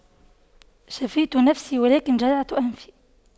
شفيت نفسي ولكن جدعت أنفي